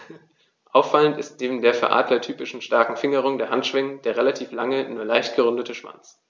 Auffallend ist neben der für Adler typischen starken Fingerung der Handschwingen der relativ lange, nur leicht gerundete Schwanz.